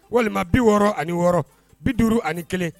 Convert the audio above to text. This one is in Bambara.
Walima 66 51